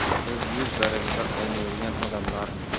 biz yuz darajada qaynaydigan odamlarmiz